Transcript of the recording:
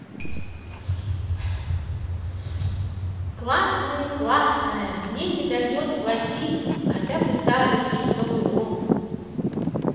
классные классное мне не дает плати а я пытаюсь чтобы он